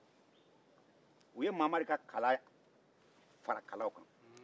u ye mamari ka kala fara kalaw kan